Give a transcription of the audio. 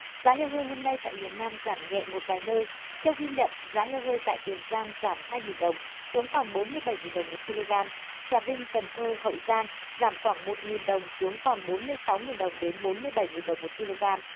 giá heo hơi hôm nay tại miền nam giảm nhẹ một vài nơi theo ghi nhận giá heo hơi tại tiền giang giảm hai nghìn đồng xuống còn bốn mươi bảy nghìn đồng một ki lô gam trà vinh cần thơ hậu giang giảm khoảng một nghìn đồng xuống còn bốn mươi sáu nghìn đồng đến bốn mươi bảy nghìn đồng một ki lô gam